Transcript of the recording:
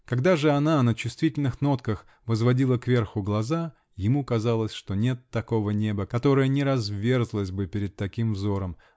Когда же она, на чувствительных нотках, возводила кверху глаза -- ему казалось, что нет такого неба, которое не разверзлось бы перед таким взором.